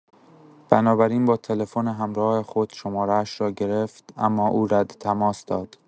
بنابراین با تلفن همراه خود شماره‌اش را گرفت، اما او رد تماس داد.